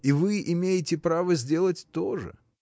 И вы имеете право сделать то же.